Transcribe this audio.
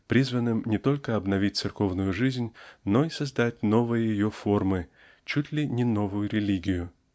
призванным не только обновить церковную жизнь но и создать новые ее формы чуть ли не новую религию.